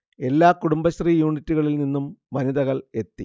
എല്ലാ കുടുംബശ്രീ യൂണിറ്റുകളിൽ നിന്നും വനിതകൾ എത്തി